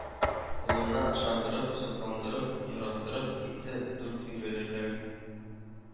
Булуына ышандырып, сокландырып, яраттырып китте дүртөйлелеләр